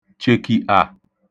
chèkì'à